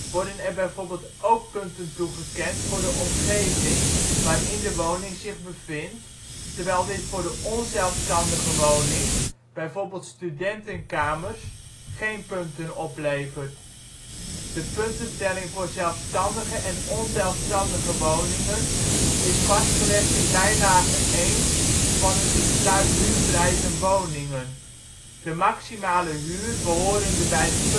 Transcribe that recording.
worden er bijvoorbeeld ook punten toegekend voor de omgeving waarin de woning zich bevindt, terwijl dit voor de onzelfstandige woning (bijvoorbeeld studentenkamers) geen punten oplevert. De puntentelling voor zelfstandige en onzelfstandige woningen is vastgelegd in Bijlage I van het Besluit huurprijzen woningen. De maximale huur behorende bij de